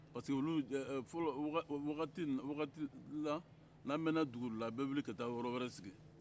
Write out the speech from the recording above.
parce que olu eee eee fɔlɔ wagati in wagati la n'a mɛnna dugu la a bɛ wuli ka taa yɔrɔ wɛrɛ sigi